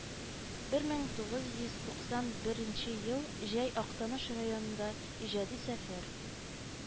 Бер мең тугыз йөз туксан беренче ел җәй актаныш районында иҗади сәфәр